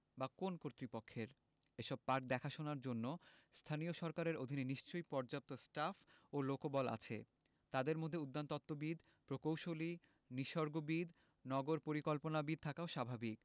বা কোন্ কর্তৃপক্ষের এসব পার্ক দেখাশোনার জন্য স্থানীয় সরকারের অধীনে নিশ্চয়ই পর্যাপ্ত স্টাফ ও লোকবল আছে তাদের মধ্যে উদ্যানতত্ত্ববিদ প্রকৌশলী নিসর্গবিদ নগর পরিকল্পনাবিদ থাকাও স্বাভাবিক